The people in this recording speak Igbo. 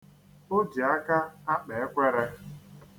O ji aka akpa ekwere.